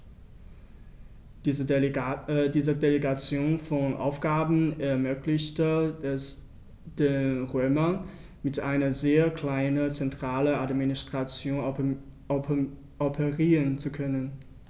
Diese Delegation von Aufgaben ermöglichte es den Römern, mit einer sehr kleinen zentralen Administration operieren zu können.